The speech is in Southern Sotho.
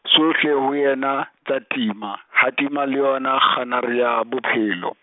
tsohle ho yena, tsa tima, ha tima, le yona kganare ya, bophelo.